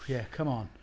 Ie, come on!